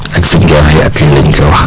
ak ****